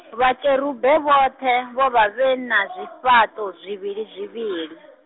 Vhakerube vhoṱhe vho vha vhena zwifhaṱo zwivhilizwivhili.